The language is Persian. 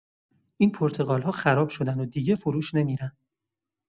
این پرتقال‌ها خراب شدن و دیگه فروش نمی‌رن.